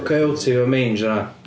Coyote efo mange 'di hwnna.